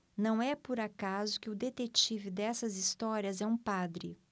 não é por acaso que o detetive dessas histórias é um padre